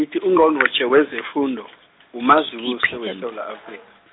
ngithi Ungqongqotjhe wezefundo, uMazibuse weSewula Afrika.